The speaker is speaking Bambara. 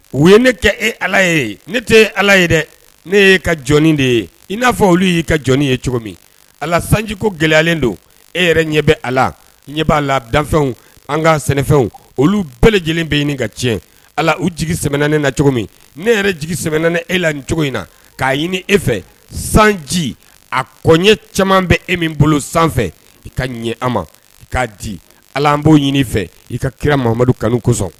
U ye ne kɛ e ala ye ne tɛ ala ye dɛ ne ye ka jɔnni de ye i n'a fɔ olu y'i ka jɔn ye cogo min ala sanjiko gɛlɛyalen don e yɛrɛ ɲɛ bɛ a la ɲɛ b'a lafɛnw an ka sɛnɛfɛnw olu bɛɛ lajɛlen bɛ ɲini ka tiɲɛ ala u jigi sɛm ne na cogo min ne yɛrɛ jigi sɛmen e la ni cogo in na k'a ɲini e fɛ sanji a kɔɲɛ caman bɛ e min bolo sanfɛ i ka ɲɛ a ma k'a di ala b'o ɲini fɛ i ka kira mamadu kanu kosɔn